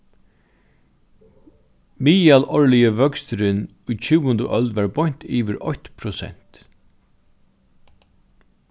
miðalárligi vøksturin í tjúgundi øld var beint yvir eitt prosent